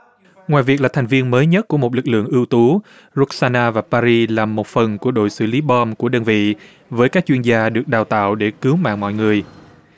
ngoài việc là thành viên mới nhất của một lực lượng ưu tú rút xa na và pa ri là một phần của đội xử lý bom của đơn vị với các chuyên gia được đào tạo để cứu mạng mọi người